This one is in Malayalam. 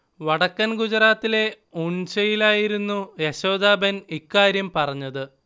വടക്കൻ ഗുജറാത്തിലെ ഉൺചയിലായിരുന്നു യശോദാ ബെൻ ഇക്കാര്യം പറഞ്ഞത്